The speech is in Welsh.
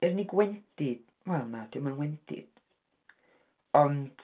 Yr unig wendid... wel, na 'dio'm yn wendid. Ond.